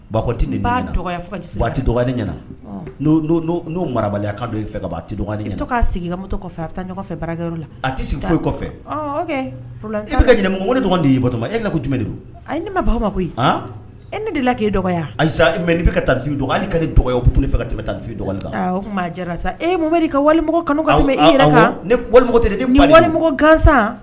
Dɔgɔ dɔgɔnin ɲɛnao marabali kan don i fɛ ka dɔgɔnin tɔgɔ' sigi kamotɔ kɔfɛ a bɛ taa ɲɔgɔnɔgɔfɛ fɛ bara la a tɛ sigi kɔfɛ ne dɔgɔnin y' ye bɔtoma e la ko jumɛn don a ne ma baba ma koyi e ne de la k'e dɔgɔya a mɛ ne bɛ ka taafin dɔn hali ka dɔgɔ tun ne fɛ ka tɛmɛ taafin maa jara sa e mun ka walimɔgɔ e kan ne walimɔgɔ walimɔgɔ gansan